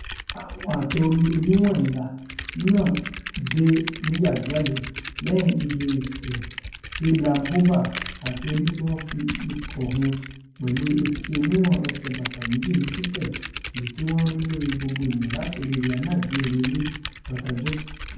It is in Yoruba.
Àwọn ate-ori oníwọn-ńlá náà dé ní yàjóyàjó lẹ́yìn gìgìrísẹ̀ ti 'La Bomba', ate-ori tíwọn fi ìko hun pẹ̀lú etí oníwọn ẹsẹ̀ bàtà méjì ní fífẹ̀ èyití wọ́n ńrí lórí gbogbo ènìyàn láti orí Rihanna dé Emily Ratajkowski.